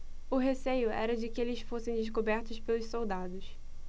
o receio era de que eles fossem descobertos pelos soldados